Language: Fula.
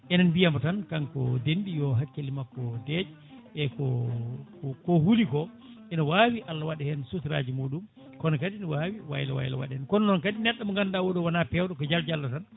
eɗen mbiyamo tan kanko denɗi yo hakkille makko deeƴ eko ko ko huuli ko ina wawi Allah waɗa hen suturaji muɗum kono kadi ne wawi waylo waylo waɗa kono noon kadi neɗɗo mo ganduɗa oɗo wona pewɗo ko jaljallo tan